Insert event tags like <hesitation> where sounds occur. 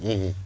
<hesitation> <hesitation>